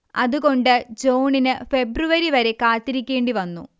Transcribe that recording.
അതുകൊണ്ട് ജോണിന് ഫെബ്രുവരി വരെ കാത്തിരിക്കേണ്ടിവന്നു